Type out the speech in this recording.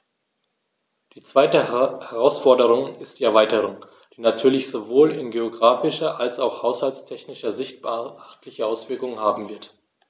Die zweite Herausforderung ist die Erweiterung, die natürlich sowohl in geographischer als auch haushaltstechnischer Sicht beachtliche Auswirkungen haben wird.